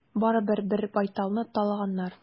Барыбер, бер байталны талаганнар.